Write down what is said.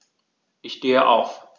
Ich stehe auf.